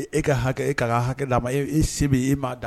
E ka e hakɛ e k'a ka hakɛ d'a ma e se bɛ e m'a d'a